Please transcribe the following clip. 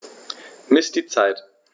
Miss die Zeit.